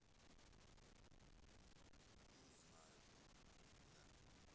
ну не знаю я